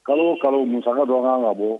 Kalo kalo mu dɔn kan ka bɔ